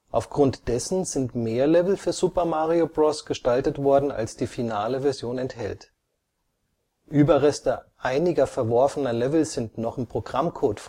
Aufgrund dessen sind mehr Level für Super Mario Bros. gestaltet worden, als die finale Version enthält. Überreste einiger verworfener Level sind noch im Programmcode